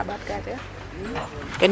xar ɓaatka teen?